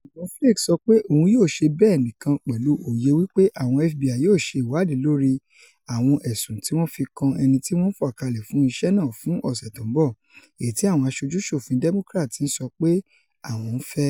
Ṣùgbọ́n Flake sọ pé òun yóò ṣe bẹ́ẹ̀ nìkan pẹ̀lú òye wí pé àwọn FBI yóò ṣe ìwáàdì lórí àwọn ẹ̀sùn tí wọ́n fi kan ẹnití wọ́n fàkalẹ̀ fún iṣẹ́ náà fún ọ̀sẹ̀ tó ń bọ̀, èyití àwọn aṣojú-ṣòfin Democrats ti ń sọ pé àwọn ń fẹ́.